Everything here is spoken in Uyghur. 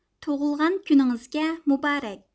تۇغۇلغان كۈنىڭىزگە مۇبارەك